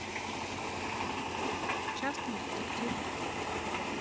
честный детектив